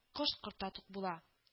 Кош-корт та тук була